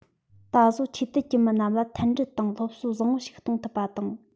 ད གཟོད ཆོས དད ཀྱི མི རྣམས ལ མཐུན སྒྲིལ དང སློབ གསོ བཟང བོ ཞིག གཏོང ཐུབ པ དང